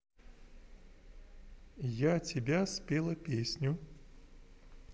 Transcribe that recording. я тебя спела песню